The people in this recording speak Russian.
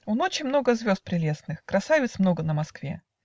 У ночи много звезд прелестных, Красавиц много на Москве.